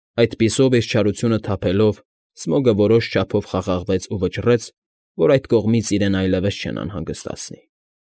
Այդպիսով իր չարությունը թափելով՝ Սմոգը որոշ չափով խաղաղվեց ու վճռեց, որ այդ կողմից իրեն այլևս չէին անհանգստացնի։